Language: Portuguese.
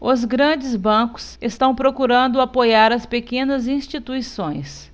os grandes bancos estão procurando apoiar as pequenas instituições